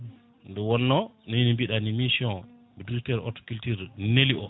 nde wonno ni no mbiɗani mission o ministére horticulture neeli o